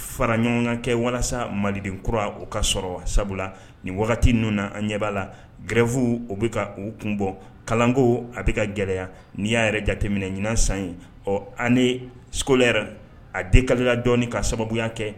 Fara ɲɔgɔn kɛ walasa maliden kura o ka sɔrɔ sabula nin wagati ninnu na an ɲɛ bba la gɛrɛfw o bɛ ka u kun bɔ kalanko a bɛ ka gɛlɛyaɛrɛya nii y'a yɛrɛ jateminɛ ɲin san ye ɔ ani sogo a de kala dɔɔnini ka sababuya kɛ